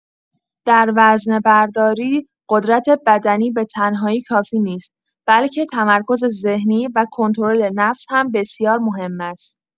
در وزنه‌برداری، قدرت‌بدنی به‌تنهایی کافی نیست؛ بلکه تمرکز ذهنی و کنترل نفس هم بسیار مهم است.